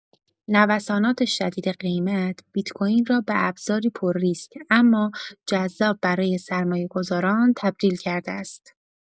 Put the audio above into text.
نوسانات شدید قیمت، بیت‌کوین را به ابزاری پرریسک اما جذاب برای سرمایه‌گذاران تبدیل کرده است.